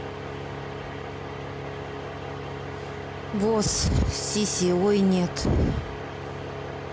who сиси ой нет